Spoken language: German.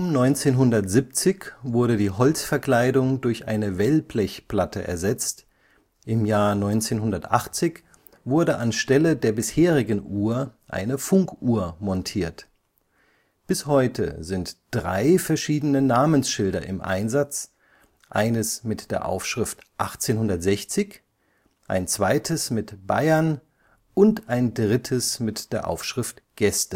1970 wurde die Holzverkleidung durch eine Wellblechplatte ersetzt, im Jahr 1980 wurde an Stelle der bisherigen Uhr eine Funkuhr montiert. Bis heute sind drei verschiedene Namensschilder im Einsatz, eines mit der Aufschrift 1860, ein zweites mit BAYERN und ein drittes mit der Aufschrift GÄSTE